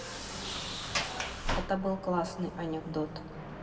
это был классный анекдот